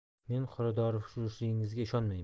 men qoradorifurushligingizga ishonmayman